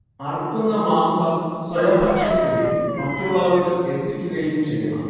അറുക്കുന്ന മാംസം സ്വയം ഭക്ഷിക്കുകയും മറ്റുള്ളവർക്ക് എത്തിക്കുകയും ചെയ്യണം